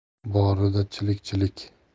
borida chilik chilik